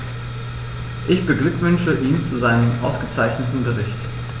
Ich beglückwünsche ihn zu seinem ausgezeichneten Bericht.